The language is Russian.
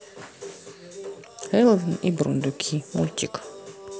элвин и бурундуки мультик